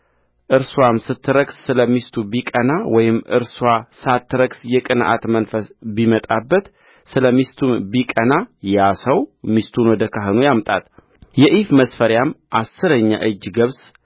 እርስዋም ስትረክስ ስለ ሚስቱ ቢቀና ወይም እርስዋ ሳትረክስ የቅንዓት መንፈስ ቢመጣበት ስለ ሚስቱም ቢቀናያ ሰው ሚስቱን ወደ ካህኑ ያምጣት የኢፍ መስፈሪያም አሥረኛ እጅ ገብስ